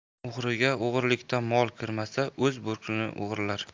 o'g'riga o'g'rilikdan mol kirmasa o'z bo'rkini o'g'irlar